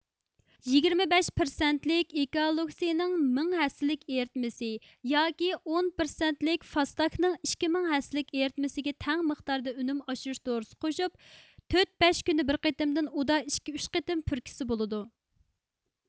يىگىرمە بەش پىرسەنتلىك ئېكالۇكسنىڭ مىڭ ھەسسىلىك ئېرىتمىسى ياكى ئون پىرسەنتلىك فاستاكنىڭ ئىككى مىڭ ھەسسىلىك ئېرىتمىسىگە تەڭ مىقداردا ئۈنۈم ئاشۇرۇش دورىسى قوشۇپ تۆت بەش كۈندە بىر قېتىمدىن ئۇدا ئىككى ئۈچ قېتىم پۈركۈسە بولىدۇ